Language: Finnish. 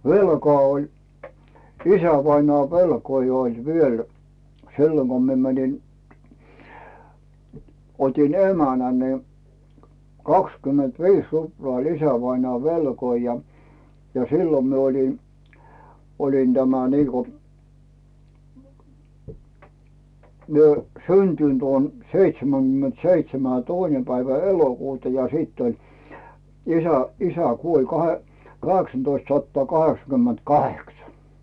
velkaa oli isävainajan velkoja oli vielä silloin kun minä menin otin emännän niin kaksikymmentäviisi ruplaa oli isävainaan velkoja ja ja silloin minä olin olin tämä niin kuin minä syntynyt olen seitsemänkymmentä seitsemän ja toinen päivä elokuuta ja sitten oli isä isä kuoli - kahdeksantoistasataa kaheksakymmentäkahdeksan